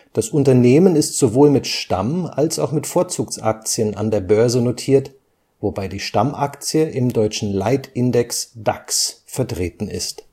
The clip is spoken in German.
Das Unternehmen ist sowohl mit Stamm - als auch Vorzugsaktien an der Börse notiert, wobei die Stammaktie im deutschen Leitindex DAX vertreten ist